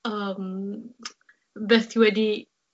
yym beth ti wedi